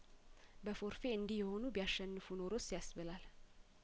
በፎርፌ እንዲህ የሆኑ ቢያሸንፉ ኖሮ ስያስ ብላል